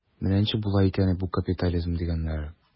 Менә ничек була икән бу капитализм дигәннәре.